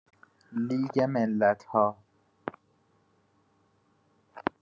لیگ ملت‌ها